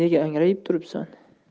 nega angrayib turibsan